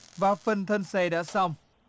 và phần thân xe đã xong